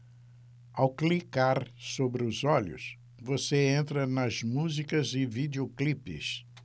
ao clicar sobre os olhos você entra nas músicas e videoclipes